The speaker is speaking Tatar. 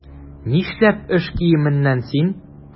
Нишләп эш киеменнән син?